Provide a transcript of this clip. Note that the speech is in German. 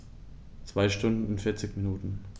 2 Stunden und 40 Minuten